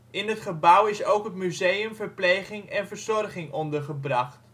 In het gebouw is ook het Museum Verpleging & Verzorging ondergebracht